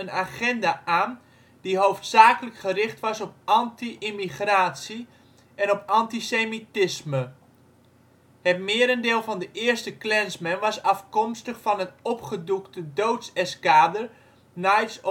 agenda aan die hoofdzakelijk gericht was op anti-immigratie en op antisemitisme. Het merendeel van de eerste Klansmen was afkomstig van het opgedoekte doodseskader Knights of